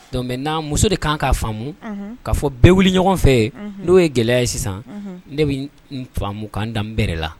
Don n'a muso de kan k kaa faamumu' fɔ bɛɛ wuli ɲɔgɔn fɛ n'o ye gɛlɛya sisan ne bɛ faamumukan danbrɛ la